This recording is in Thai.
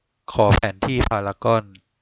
ขอแผนที่พารากอน